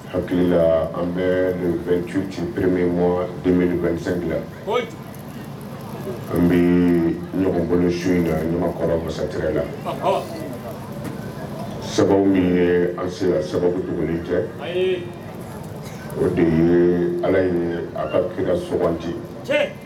Hakili an bɛ ci ci pe min mɔgɔ den2sɛn an bɛ ɲɔgɔnbolo su in ɲɔgɔnkɔrɔ masatigɛ la sababu min ye an sera sababu tuguni cɛ o de ye ala a ka kɛ ka sougan ci